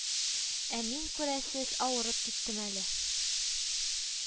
Ә мин, күрәсез, авырып киттем әле